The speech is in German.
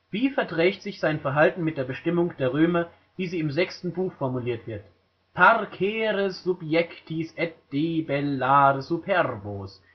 Wie verträgt sich sein Verhalten mit der Bestimmung der Römer, wie sie im sechsten Buch formuliert wird: „ parcere subiectis et debellare superbos